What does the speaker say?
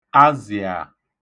azị̀à